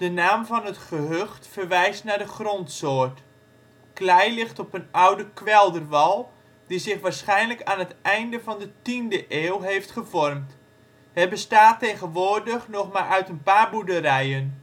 naam van het gehucht verwijst naar de grondsoort. Klei ligt op een oude kwelderwal die zich waarschijnlijk aan het einde van de tiende eeuw heeft gevormd. Het bestaat tegenwoordig nog maar uit een paar boerderijen